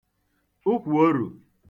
ukwùorù